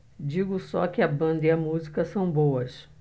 digo só que a banda e a música são boas